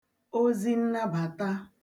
ozinnabàta